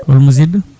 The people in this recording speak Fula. hol musidɗo